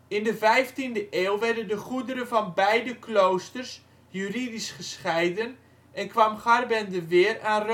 In de 15e eeuw werden de goederen van beide kloosters juridisch gescheiden en kwam Garbendeweer aan